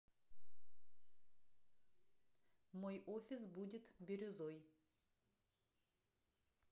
мой офис будет бирюзой